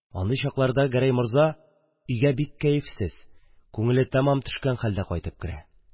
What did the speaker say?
Андый чакларда Гәрәй морза өйгә бик кәефсез, күңеле тамам төшкән хәлдә кайтып керә